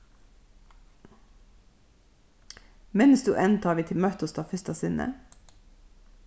minnist tú enn tá vit møttust á fyrsta sinni